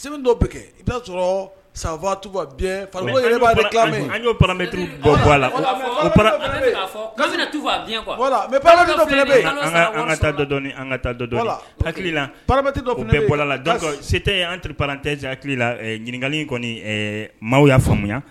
Se dɔw bɛ kɛ i'a sɔrɔ sanfa tu bɛ an'obeti bɔ bɔ la bɛ an taadɔ an ka taa labetɛ dɔ bɔ la sete an tipte hakilila ɲininkaka in kɔni maaw' faamuyamu